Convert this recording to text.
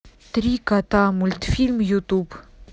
три кота мультфильм ютуб